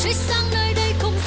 nơi đây không